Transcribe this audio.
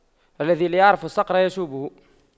الذي لا يعرف الصقر يشويه